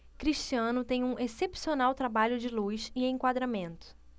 cristiano tem um excepcional trabalho de luz e enquadramento